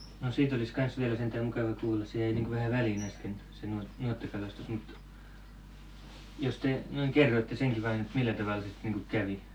no siitä olisi kanssa vielä sentään mukava kuulla se jäi niin kuin vähän väliin äsken se - nuottakalastus mutta jos te noin kerrotte senkin vain että millä tavalla se sitten niin kuin kävi